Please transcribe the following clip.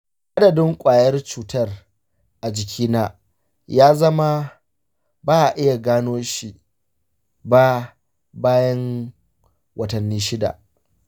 adadin ƙwayar cutar a jikina ya zama ba a iya gano shi ba bayan watanni shida.